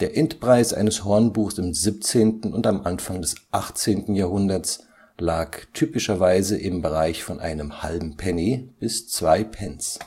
Endpreis eines Hornbuchs im 17. und Anfang des 18. Jahrhunderts lag typischerweise im Bereich von einem halben Penny bis zwei Pence